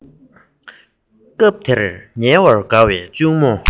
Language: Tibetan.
སྐབས དེར ཉལ བར དགའ བའི གཅུང མོ